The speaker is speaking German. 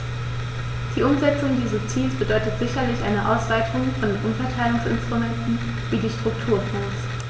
Die Umsetzung dieses Ziels bedeutet sicherlich eine Ausweitung von Umverteilungsinstrumenten wie die Strukturfonds.